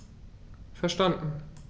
Verstanden.